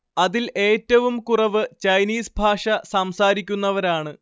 അതിൽ ഏറ്റവും കുറവ് ചൈനീസ് ഭാഷ സംസാരിക്കുന്നവരാണ്